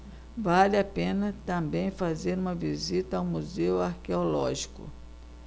vale a pena também fazer uma visita ao museu arqueológico